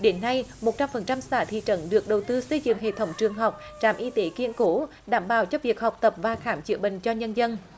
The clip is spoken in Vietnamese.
đến nay một trăm phần trăm xã thị trấn được đầu tư xây dựng hệ thống trường học trạm y tế kiên cố đảm bảo cho việc học tập và khám chữa bệnh cho nhân dân